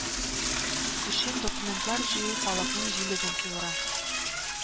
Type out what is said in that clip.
Өчен документлар җыю халыкның җилеген суыра